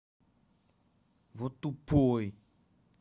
вот тупой